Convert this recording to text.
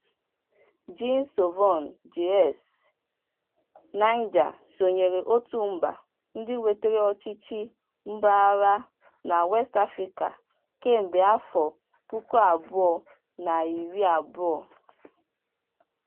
Jean Sovon (JS): Niger sonyeere otu mba ndị nwetere ọchịchị mgbagha na West Africa kemgbe 2020.